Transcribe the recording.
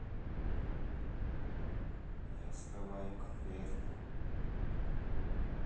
я вскрываю конверт